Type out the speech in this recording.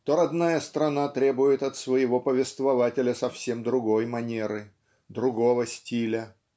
то родная страна требует от своего повествователя совсем другой манеры другого стиля